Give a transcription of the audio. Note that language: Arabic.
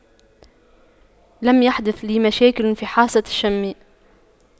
لم يحدث لي مشاكل في حاسة الشم